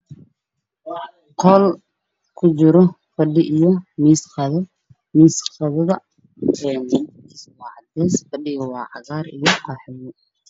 Waa qol ku jiro fadhi iyo miiska qadada miiska qadar midabkiisu waa caddeen fadhigana waa cagaar iyo qaxwi